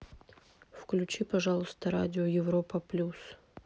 включи пожалуйста радио европа плюс